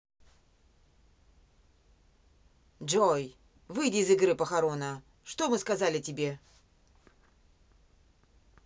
джой выйди из игры похорона что мы сказали тебе